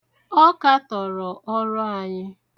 Ọ katọrọ ọrụ anyị.